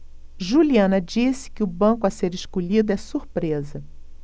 juliana disse que o banco a ser escolhido é surpresa